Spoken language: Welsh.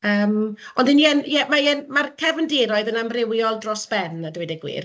Yym ond, 'y ni yn... ie mae'r cefndiroedd yn amrywiol dros ben a dweud y gwir.